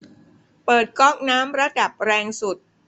เปิดก๊อกน้ำระดับแรงสุด